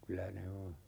kyllä ne on